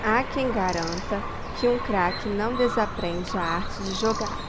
há quem garanta que um craque não desaprende a arte de jogar